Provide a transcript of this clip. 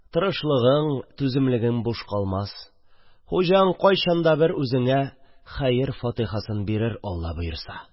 Тырышлыгың, түземлегең буш калмас, хуҗаң кайчан да бер үзеңә хәер-фатихасын бирер, Алла боерса.